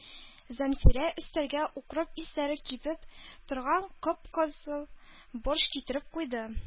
Зәнфирә өстәлгә укроп исләре килеп торган кып-кызыл борщ китереп куйды.